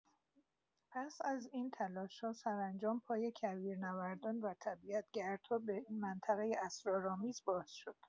پس از این تلاش‌ها سرانجام پای کویرنوردان و طبیعت گردها به این منطقه اسرارآمیز باز شد.